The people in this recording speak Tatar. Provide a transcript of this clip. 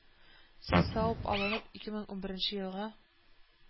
Сөт савып алынып, ике мең унберенче елгы